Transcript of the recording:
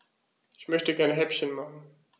Ich möchte gerne Häppchen machen.